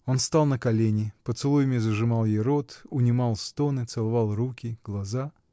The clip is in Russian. Он стал на колени, поцелуями зажимал ей рот, унимал стоны, целовал руки, глаза.